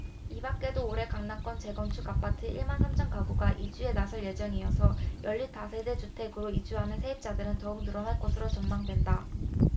이밖에도 올해 강남권 재건축 아파트 일 만 삼천 가구가 이주에 나설 예정이어서 연립 다세대주택으로 이주하는 세입자들은 더욱 늘어날 것으로 전망된다